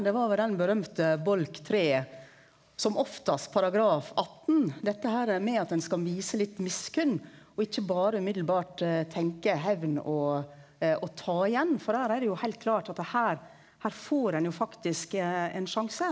det var vel den berømte bolk tre som oftast paragraf 18 dette her med at ein skal vise litt miskunn og ikkje berre direkte tenke hemn og og ta igjen, for her er det jo heilt klart at her her får ein jo faktisk ein sjanse.